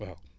waaw